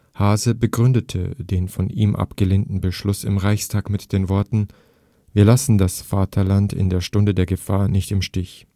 Haase begründete den von ihm abgelehnten Beschluss im Reichstag mit den Worten: Wir lassen das Vaterland in der Stunde der Gefahr nicht im Stich